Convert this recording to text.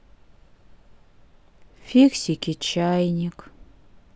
фиксики чайник